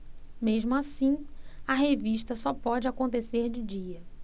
mesmo assim a revista só pode acontecer de dia